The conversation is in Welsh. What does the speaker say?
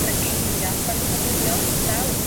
ar y geiria' 'dan ni'n ddefnyddio fel...